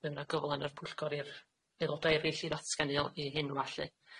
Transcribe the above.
bydd 'na gyfla yn yr pwyllgor i'r aeloda' erill i ddatgan u- o- eu henwa lly.